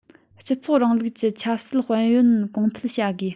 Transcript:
སྤྱི ཚོགས རིང ལུགས ཀྱི ཆབ སྲིད དཔལ ཡོན གོང འཕེལ བྱ དགོས